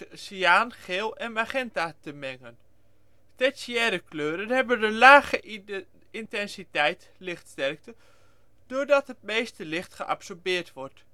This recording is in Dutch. cyaan, geel en magenta, te mengen. Tertiaire kleuren hebben een lage intensiteit (lichtsterkte) doordat het meeste licht geabsorbeerd wordt